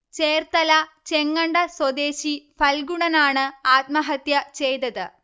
ചേർത്തല ചെങ്ങണ്ട സ്വദേശി ഫൽഗുണനാണ് ആത്മഹത്യ ചെയ്തത്